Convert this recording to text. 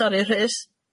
Sori Rhys?